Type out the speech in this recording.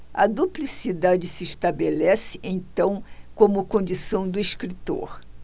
a duplicidade se estabelece então como condição do escritor